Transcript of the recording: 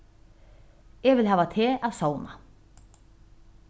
eg vil hava teg at sovna